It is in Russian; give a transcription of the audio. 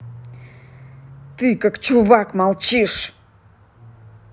ты как чувак молчишь